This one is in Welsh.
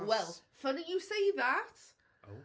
Wel, funny you say that.... O?